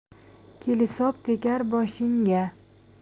kelisop tegar boshingga